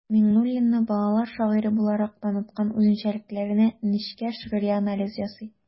Миңнуллинны балалар шагыйре буларак таныткан үзенчәлекләренә нечкә шигъри анализ ясый.